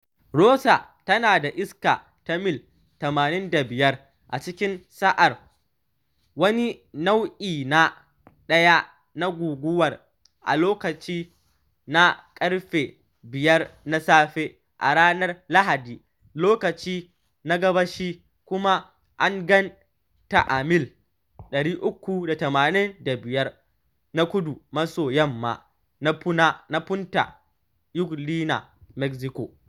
Rosa tana da iska ta mil 85 a cikin sa’a, wani Nau’i na 1 na Guguwar, a lokaci na ƙarfe 5 na safe a ranar Lahadi lokaci na Gabashi, kuma an gan ta a mil 385 na kudu-maso-yamma na Punta Eugenia, Mexico.